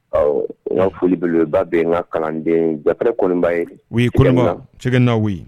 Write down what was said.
Ɔ n ka foli belebeleba bɛ n ka kalanden japɛrɛ koniba ye oui Koniba Cɛkɛna oui .